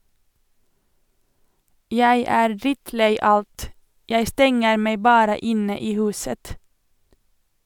Jeg er drittlei alt, jeg stenger meg bare inne i huset.